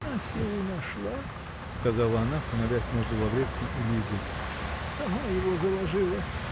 -- Насилу нашла, -- сказала она, становясь между Лаврециим и Лизой, -- Сама его заложила.